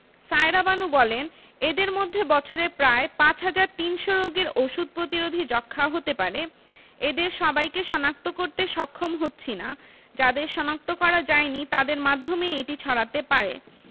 সায়েরা বানু বলেন এদের মধ্যে বছরে প্রায় ৫ হাজার ৩০০ রোগীর ওষুধ প্রতিরোধী যক্ষ্মা হতে পারে এদের সবাইকে শনাক্ত করতে সক্ষম হচ্ছি না যাদের শনাক্ত করা যায়নি তাদের মাধ্যমেই এটি ছড়াতে পারে